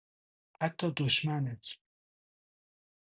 حتی دشمنت